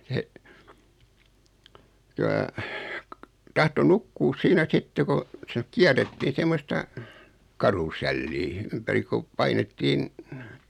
se sillä lailla tahtoi nukkua siinä sitten kun se kierrettiin semmoista karusellia ympäri kun painettiin